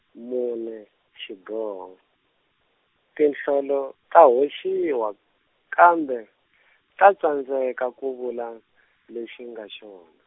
mune xiboho, tinhlolo ta hoxiwa, kambe ta tsandzeka ku vula, lexi nga xona.